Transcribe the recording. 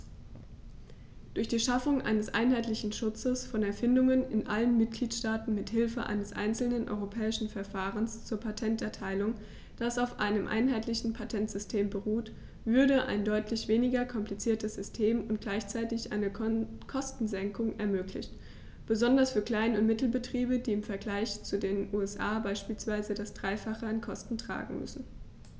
Durch die Schaffung eines einheitlichen Schutzes von Erfindungen in allen Mitgliedstaaten mit Hilfe eines einzelnen europäischen Verfahrens zur Patenterteilung, das auf einem einheitlichen Patentsystem beruht, würde ein deutlich weniger kompliziertes System und gleichzeitig eine Kostensenkung ermöglicht, besonders für Klein- und Mittelbetriebe, die im Vergleich zu den USA beispielsweise das dreifache an Kosten tragen müssen.